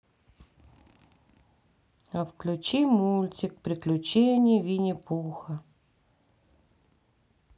а включи мультфильм приключения винни пуха